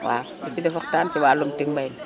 waaw di ci def waxtaan ci wàllum tic mbay mi